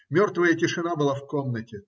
Мертвая тишина была в комнате